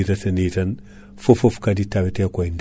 e kaadi guesse ɗe foof kal mone reema walo